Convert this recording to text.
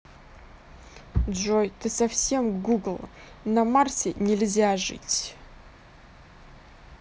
джой ты совсем google на марсе нельзя жить